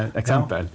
ja.